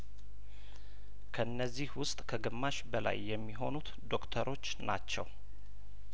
ከእነዚህ ውስጥ ከግማሽ በላይ የሚሆኑት ዶክተሮች ናቸው